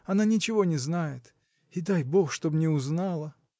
Она ничего не знает — и дай Бог, чтоб не узнала!